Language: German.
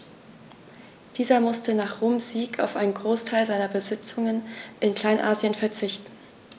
Dieser musste nach Roms Sieg auf einen Großteil seiner Besitzungen in Kleinasien verzichten.